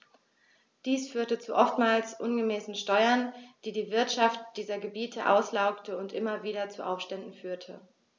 Dies führte zu oftmals unmäßigen Steuern, die die Wirtschaft dieser Gebiete auslaugte und immer wieder zu Aufständen führte.